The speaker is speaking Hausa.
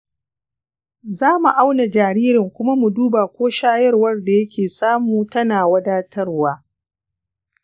za mu auna jaririn kuma mu duba ko shayarwar da yake samu tana wadatarwa.